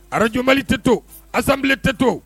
Radio Mali tɛ to Assemblée tɛ to